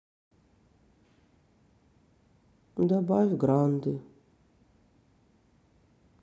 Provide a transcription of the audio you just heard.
добавь гранды